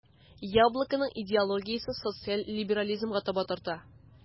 "яблоко"ның идеологиясе социаль либерализмга таба тарта.